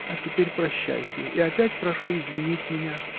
А теперь прощайте, и опять прошу извинить меня.